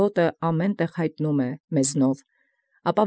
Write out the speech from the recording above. Իւրոյ յայտնի առնէ մևք յամենայն տեղիսե։